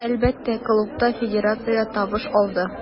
Әлбәттә, клуб та, федерация дә табыш алды.